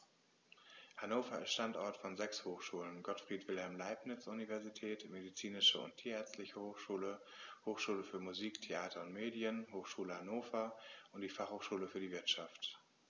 Hannover ist Standort von sechs Hochschulen: Gottfried Wilhelm Leibniz Universität, Medizinische und Tierärztliche Hochschule, Hochschule für Musik, Theater und Medien, Hochschule Hannover und die Fachhochschule für die Wirtschaft.